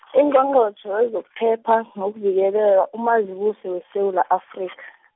Ungqongqotjhe wezokuphepha, nokuvikeleka, uMazibuse weSewula Afrika.